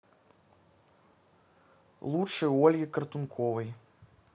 лучшая у ольги картунковой